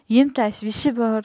yem tashvishi bor